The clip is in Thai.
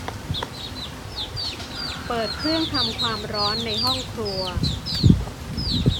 เปิดเครื่องทำความร้อนในห้องครัว